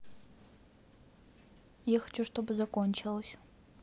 я хочу чтобы закончилось